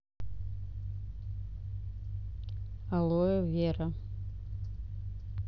алоэ вера